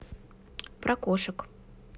про кошек